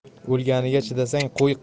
o'lganiga chidasang qo'y qil